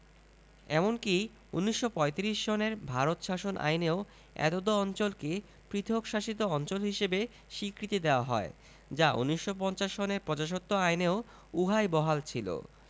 এমনকি ১৯৩৫ সনের ভারত শাসন আইনেও এতদ অঞ্চলকে পৃথক শাসিত অঞ্চল হিসেবে স্বীকৃতি দেয়া হয় যা ১৯৫০ সনের প্রজাস্বত্ব আইনেও উহাই বহাল ছিল